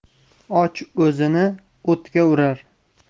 och o'zini o'tga urar